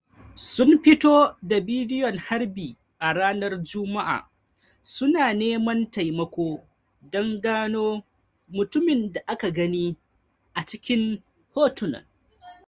Sun fito da bidiyon harbi a ranar Juma'a, su na neman taimako don gano mutumin da aka gani a cikin hotunan.